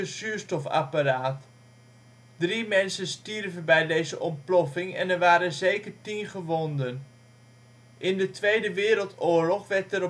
zuurstofapparaat. Drie mensen stierven bij deze ontploffing en er waren zeker 10 gewonden. In de Tweede Wereldoorlog werd